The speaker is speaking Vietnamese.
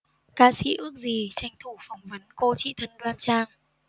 ca sĩ ước gì tranh thủ phỏng vấn cô chị thân đoan trang